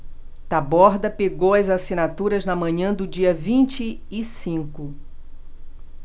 taborda pegou as assinaturas na manhã do dia vinte e cinco